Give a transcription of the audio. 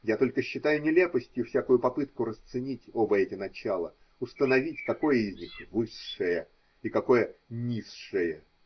Я только считаю нелепостью всякую попытку расценить оба эти начала, установить, какое из них высшее и какое низшее.